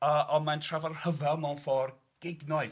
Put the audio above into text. Yy ond mae'n trafod rhyfel mewn ffordd gignoeth.